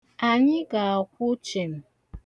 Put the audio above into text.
Anyị ga-akwụ chim.